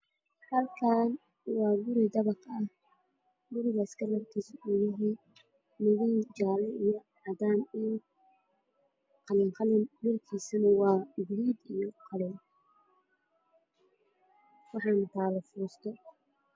Meeshan waa guri weyn oo midabkiisa yahay haddaan iyo qaxwi wuxuu horyaalo fuusto caddaan ah banaankiisa